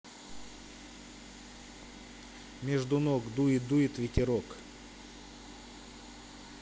между ног дует дует ветерок